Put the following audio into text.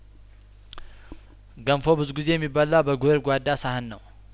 ገንፎ ብዙ ጊዜ የሚበላ በጐድጓዳ ሳህን ነው